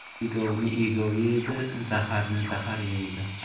egovni egov yeydi zaharni zahar yeydi